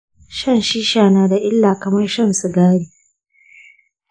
shan shisha na da illa kamar shan sigari.